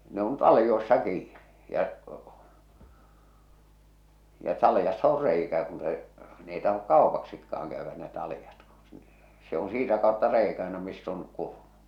ne on taljoissa kiinni ja ja taljassa on reikä kun se ne ei tahdo kaupaksikaan käydä ne taljat kun se on siitä kautta reikä aina missä on kurmu